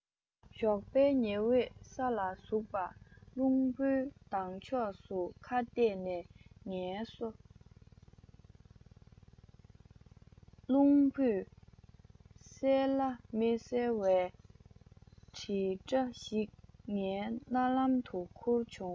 ཞོགས པའི ཉི འོད ས ལ ཟུག པ རླུང བུའི ལྡང ཕྱོགས སུ ཁ གཏད ནས ངལ གསོ རླུང བུས གསལ ལ མི གསལ བའི དྲིལ སྒྲ ཞིག ངའི རྣ ལམ དུ ཁུར བྱུང